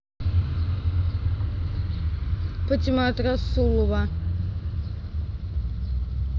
патимат расулова